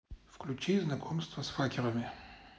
включи знакомство с факерами